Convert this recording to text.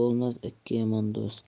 bo'lmas ikki yomon do'st